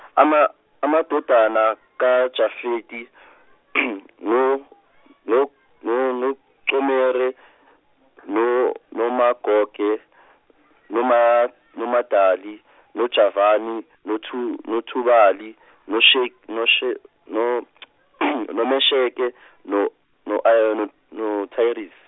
ama- amadodana ka- Jafeti , no- no- no- no- Comere no- noMagoge noMa- noMadali noJavani no- Thu- noThubali, no- shek- no- she noMomusheke no- noThayirisi.